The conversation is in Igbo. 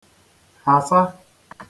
hàsa